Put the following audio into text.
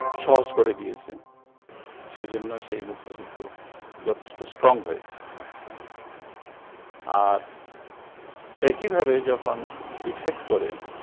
সহজ করে দিয়েছে সেজন্য সেই মুক্তিযুদ্ধ যথেষ্ট স্ট্রং হয়েছে আর একইভাবে যখন ডিফেক্ট করে